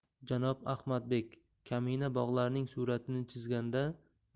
janob ahmadbek kamina bog'larning suratini chizganda